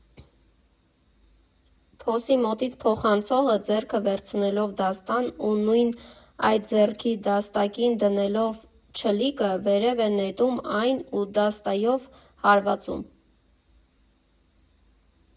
Փոսի մոտից փոխանցողը, ձեռքը վերցնելով դաստան ու նույն այդ ձեռքի դաստակին դնելով չլիկը, վերև է նետում այն ու դաստայով հարվածում։